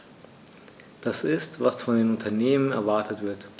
Das ist, was von den Unternehmen erwartet wird.